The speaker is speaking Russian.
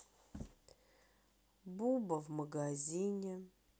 буба в магазине